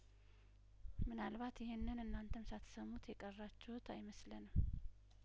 ምናልባት ይሄንን እናንተም ሳትሰሙት የቀራችሁት አይመስለንም